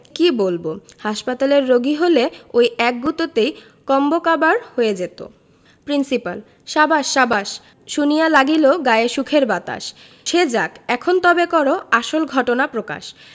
কি বলব হাসপাতালের রোগী হলে ঐ এক গুঁতোতেই কন্মকাবার হয়ে যেত প্রিন্সিপাল সাবাস সাবাস শুনিয়া লাগিল গায়ে সুখের বাতাস সে যাক এখন তবে করো আসল ঘটনা প্রকাশ